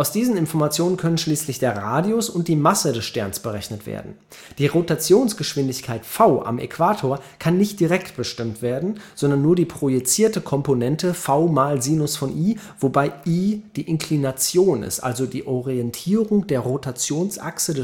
diesen Informationen können schließlich der Radius und die Masse des Sterns berechnet werden. Die Rotationsgeschwindigkeit v am Äquator kann nicht direkt bestimmt werden, sondern nur die projizierte Komponente v ⋅ sin ⁡ i {\ displaystyle v \ cdot \ sin i} mit der Inklination i, die die Orientierung der Rotationsachse